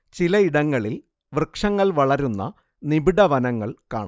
ചിലയിടങ്ങളിൽ വൃക്ഷങ്ങൾ വളരുന്ന നിബിഡ വനങ്ങൾ കാണാം